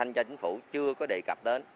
thanh tra chính phủ chưa có đề cập đến